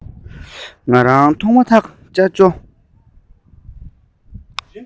ང རང མཐོང མ ཐག ཅ ཅོ